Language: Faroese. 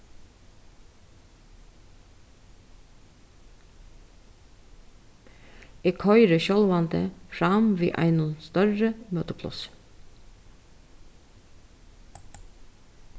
eg koyri sjálvandi fram við einum størri møtiplássi